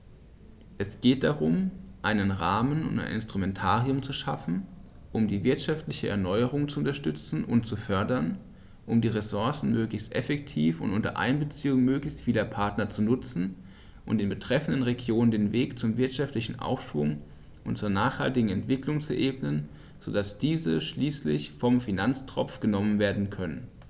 Es geht darum, einen Rahmen und ein Instrumentarium zu schaffen, um die wirtschaftliche Erneuerung zu unterstützen und zu fördern, um die Ressourcen möglichst effektiv und unter Einbeziehung möglichst vieler Partner zu nutzen und den betreffenden Regionen den Weg zum wirtschaftlichen Aufschwung und zur nachhaltigen Entwicklung zu ebnen, so dass diese schließlich vom Finanztropf genommen werden können.